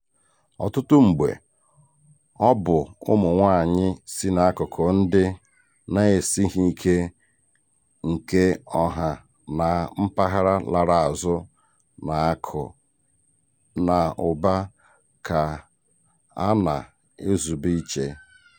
Ọtụtụ mgbe, ọ bụ ụmụ nwaanyị si n'akụkụ ndị na-esighị ike nke ọha na mpaghara lara azụ na akụ na ụba ka a na-ezube iche.